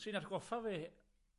Ti'n atgoffa fi.